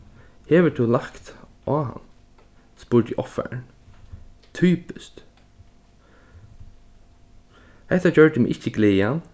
hevur tú lagt á hann spurdi eg ovfarin typiskt hetta gjørdi meg ikki glaðan